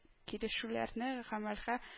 Килешүләрне гамәлгә